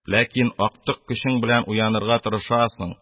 Ләкин актык көчең белән уянырга тырышасың